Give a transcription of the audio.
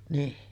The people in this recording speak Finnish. niin